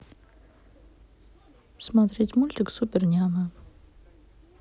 смотреть мультик супернямы